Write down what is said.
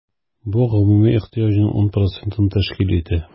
Бу гомуми ихтыяҗның 10 процентын тәшкил итә.